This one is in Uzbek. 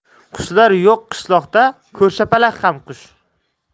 qushlar yo'q qishloqda ko'rshapalak ham qush